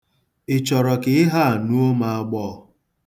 Ị chọrọ ka ihe a nuo m agbọọ?